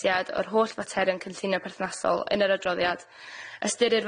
o'r holl faterion cynllunio perthnasol yn yr adroddiad ystyrir fod y